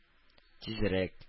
Тизрәк